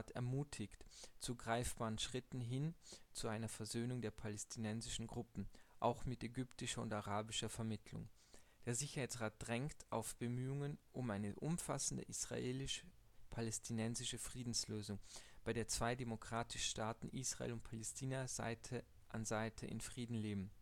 ermutigt zu „ greifbaren Schritten “hin zu einer Versöhnung der palästinensischen Gruppen, auch mit ägyptischer und arabischer Vermittlung. Der Sicherheitsrat drängt auf Bemühungen um eine umfassende israelisch-palästinensische Friedenslösung, bei der zwei demokratische Staaten, Israel und Palästina, Seite an Seite in Frieden leben